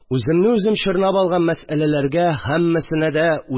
Үземне үзем чорнап алган мәсьәләләргә һәммәсенә дә